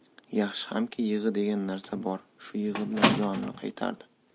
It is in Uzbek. yaxshi hamki yig'i degan narsa bor shu yig'i bilan jonini qaytardi